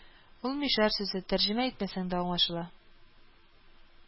Ул мишәр сүзе, тәрҗемә итмәсәң дә аңлашыла